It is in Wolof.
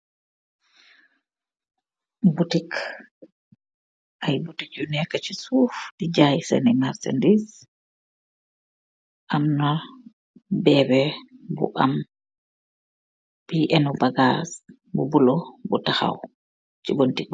Buitikk, ayyi buttik yuu nehka ce suffu di jayyi cen marrsadice, amna behbeh buu ehnuu bagas bu bulo bu tahow ce bonti bittick bi.